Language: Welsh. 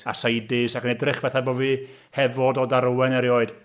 A sidies ac yn edrych fatha bo' fi heb fod o Darowen erioed.